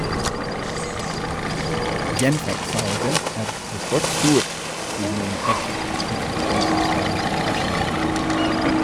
"Gjenferd-salget" er rekordstort, sier Mona Ek, informasjonsansvarlig i Aschehoug.